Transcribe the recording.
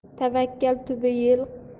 tavakkal tubi yel